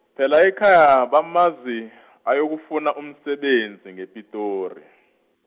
phela ekhaya bamazi, ayokufuna umsebenzi ngePitori.